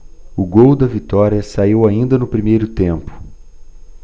o gol da vitória saiu ainda no primeiro tempo